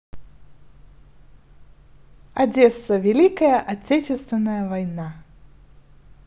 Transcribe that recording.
одесса великая отечественная война